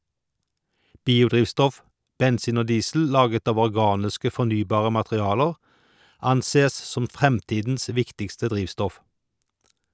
Biodrivstoff - bensin og diesel laget av organiske, fornybare materialer ansees som fremtidens viktigste drivstoff.